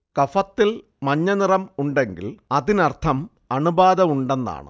കഫത്തിൽ മഞ്ഞനിറം ഉണ്ടെങ്കിൽ അതിനർഥം അണുബാധ ഉണ്ടെന്നാണ്